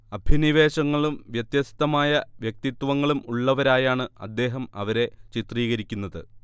അഭിനിവേശങ്ങളും വ്യത്യസ്തമായ വ്യക്തിത്വങ്ങളും ഉള്ളവരായാണ് അദ്ദേഹം അവരെ ചിത്രീകരിക്കുന്നത്